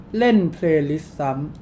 เล่นเพลย์ลิสซ้ำ